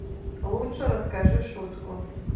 лучше расскажи шутку